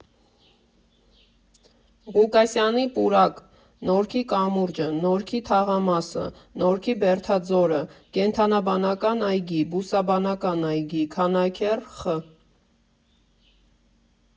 Ղուկասյանի պուրակ ֊ Նորքի կամուրջը ֊ Նորքի թաղամասը ֊ Նորքի բերդաձորը ֊ Կենդանաբանական այգի ֊ Բուսաբանական այգի ֊ Քանաքեռ ֊ Խ.